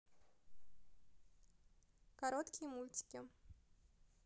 короткие мультики